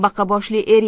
baqa boshli er